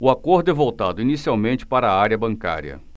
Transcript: o acordo é voltado inicialmente para a área bancária